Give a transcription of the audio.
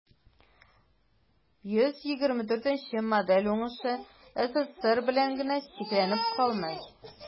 124 нче модель уңышы ссср белән генә чикләнеп калмый.